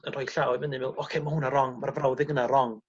yn rhoi llaw i fynny me'wl oce ma' hwna rong ma'r frawddeg ynna rong